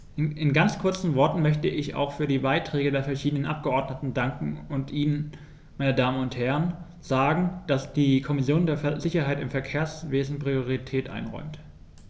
In ganz kurzen Worten möchte ich auch für die Beiträge der verschiedenen Abgeordneten danken und Ihnen, meine Damen und Herren, sagen, dass die Kommission der Sicherheit im Verkehrswesen Priorität einräumt.